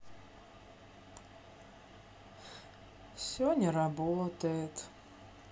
все не работает